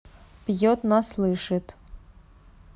пьет на слышит